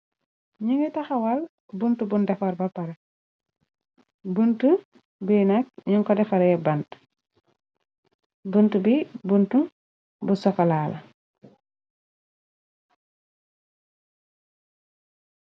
Ñu ngi taxawal buntu buñ defarr ba paré buntu bi nak ñu ko defaree bant buntu bi buntu bu sokola la.